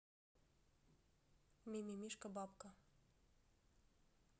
мимимишка бабка